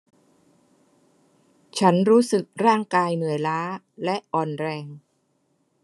ฉันรู้สึกร่างกายเหนื่อยล้าและอ่อนแรง